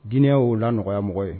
Jinɛinɛ'o la nɔgɔyamɔgɔ ye